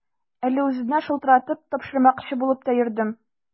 Әле үзенә шалтыратып, тапшырмакчы булып та йөрдем.